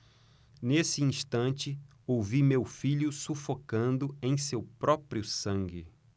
nesse instante ouvi meu filho sufocando em seu próprio sangue